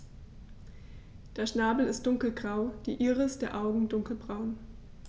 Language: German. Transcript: Der Schnabel ist dunkelgrau, die Iris der Augen dunkelbraun.